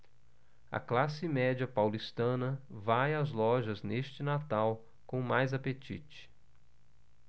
a classe média paulistana vai às lojas neste natal com mais apetite